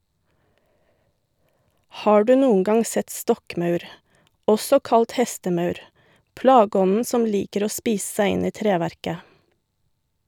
Har du noen gang sett stokkmaur, også kalt hestemaur, plageånden som liker å spise seg inn i treverket?